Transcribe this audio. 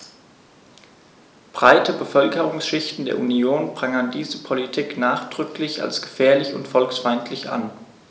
Breite Bevölkerungsschichten der Union prangern diese Politik nachdrücklich als gefährlich und volksfeindlich an.